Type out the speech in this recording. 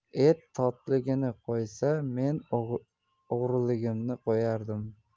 et totligini qo'ysa men o'g'riligimni qo'yardim